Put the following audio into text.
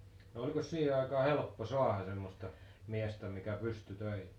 no olikos siihen aikaan helppo saada semmoista miestä mikä pystyi töihin